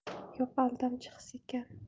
yo'q aldamchi his ekan